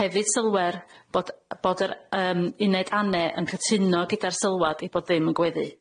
Hefyd sylwer bod yy bod yr yym uned ane yn cytuno gyda'r sylwad ei bod ddim yn gweddu.